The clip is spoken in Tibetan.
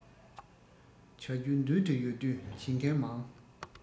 བྱ རྒྱུ མདུན དུ ཡོད དུས བྱེད མཁན མང